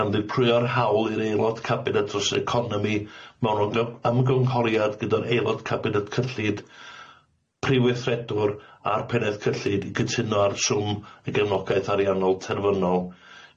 gan ddirprwyo'r hawl i'r aelod cabinet dros economi mewn o gy- ymgynghoriad gyda'r aelod cabinet cyllid, prywythredwr a'r peneth cyllid i cytuno ar swm y gefnogaeth ariannol terfynol,